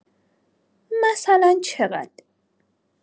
مثلا چقد؟